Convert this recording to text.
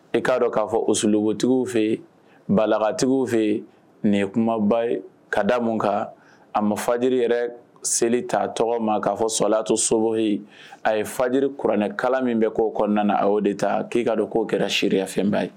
E k'a dɔn k'a fɔsugutigiw fɛ yen balabatigiw fɛ yen nin ye kumaba ye ka da mun kan a ma faji yɛrɛ seli' tɔgɔ ma k'a fɔ sola to sobo a ye faji kuranɛ kala min bɛ' kɔnɔna a oo de taa k'i kaa dɔn k'o kɛra sariyaya fɛnba ye